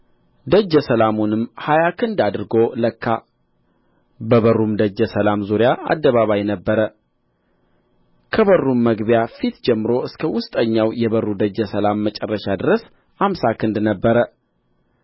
ደጀ ሰላሙንም ሀያ ክንድ አድርጎ ለካ በበሩም ደጀ ሰላም ዙሪያ አደባባይ ነበረ ከበሩም መግቢያ ፊት ጀምሮ እስከ ውስጠኛው የበሩ ደጀ ሰላም መጨረሻ ድረስ አምሳ ክንድ ነበረ